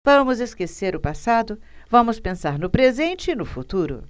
vamos esquecer o passado vamos pensar no presente e no futuro